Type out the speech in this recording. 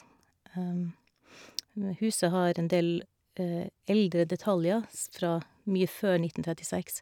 Huset har har en del eldre detaljer s fra mye før nitten trettiseks.